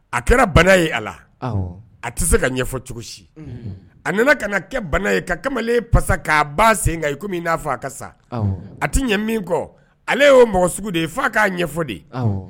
A kɛra bana ye a la a tɛ se ka ɲɛfɔ cogo a nana ka kɛ bana ye ka kamalen pasa k'a ba sen n'a a ka sa a tɛ ɲɛ min kɔ ale' mɔgɔ sugu de ye'a k'a ɲɛfɔ de ye